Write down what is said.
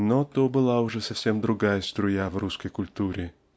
но то была уж совсем другая струя в русской культуре.